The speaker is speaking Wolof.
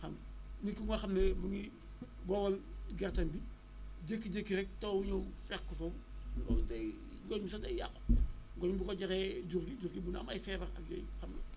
xam nga nit ku nga ne mu ngi wowal gerteem gi jékki-jékki rek taw ñëw fekk ko foofu loolu day loolu sax day yàqu loolu bu ko joxee jur gi jur gi mën na am ay feebar ak yooyu xam nga